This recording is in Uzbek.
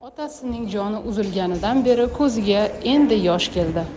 otasining joni uzilganidan beri ko'ziga endi yosh keldi